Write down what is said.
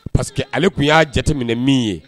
Parce que ale tun y'a jateminɛ min ye